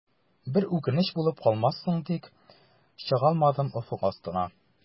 Бер үкенеч булып калмассың тик, чыгалмадым офык артына.